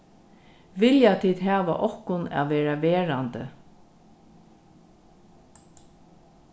vilja tit hava okkum at verða verandi